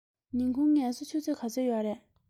ཉིན གུང ངལ གསོ ཆུ ཚོད ག ཚོད ཡོད རས